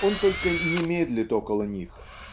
он только не медлит около них